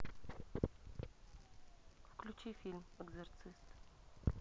включи фильм экзорцист